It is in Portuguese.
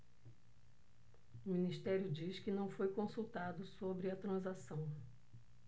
o ministério diz que não foi consultado sobre a transação